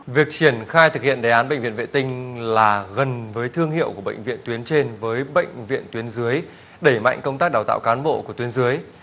việc triển khai thực hiện đề án bệnh viện vệ tinh là gần với thương hiệu của bệnh viện tuyến trên với bệnh viện tuyến dưới đẩy mạnh công tác đào tạo cán bộ của tuyến dưới